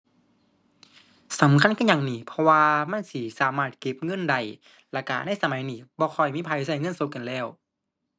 สำคัญคือหยังนี่ เพราะว่ามันสิสามารถเก็บเงินได้ แล้วก็ในสมัยนี้ บ่ค่อยมีไผก็เงินสดกันแล้ว